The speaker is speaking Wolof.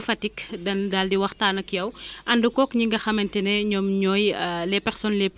ndax culture bu nekk dafa am durée de vie bi nga xamante ni moom la am